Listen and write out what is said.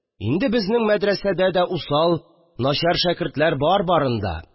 Инде безнең мәдрәсәдә дә усал, начар шәкертләр бар барбарын да